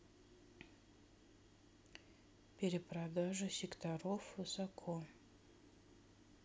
перепродажа секторов высоко